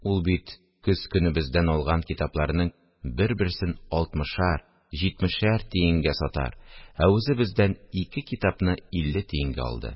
Ул бит көз көне бездән алган китапларның бер-берсен алтмышар-җитмешәр тиенгә сатар, ә үзе бездән ике китапны илле тиенгә алды